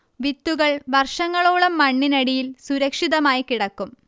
വിത്തുകൾ വർഷങ്ങളോളം മണ്ണിനടിയിൽ സുരക്ഷിതമായി കിടക്കും